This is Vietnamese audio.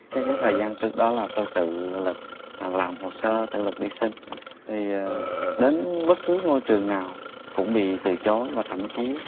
ngay cái thời gian trước đó là tôi tự lực làm hồ sơ tự lực đi xin thì đến bất cứ ngôi trường nào cũng bị từ chối và thậm chí